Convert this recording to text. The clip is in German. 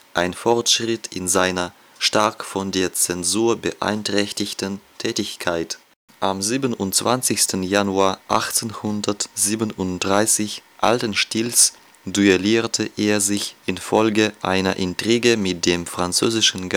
ein Fortschritt in seiner stark von der Zensur beeinträchtigten Tätigkeit. Am 27. Januar 1837 alten Stils duellierte er sich infolge einer Intrige mit dem französischen